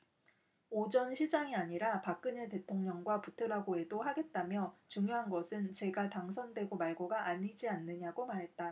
오 전 시장이 아니라 박근혜 대통령과 붙으라고 해도 하겠다며 중요한 것은 제가 당선되고 말고가 아니지 않느냐고 말했다